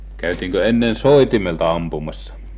käytiinkö ennen soitimelta ampumassa